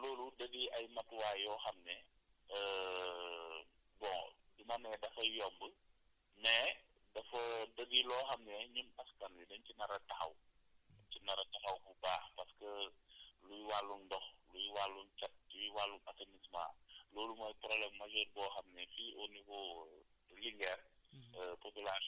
* donc loolu dañuy ay matuwaay yoo xam ne bon du ma ne dafay yomb mais dafa da di loo xam ne ñun askan wi dañ si nar a taxaw si nar a taxaw bu baax parce que luy wàllum ndox luy wàllu cet luy wàllu assainissement loolu mooy problème majeur boo xam ne fii au niveau Linguère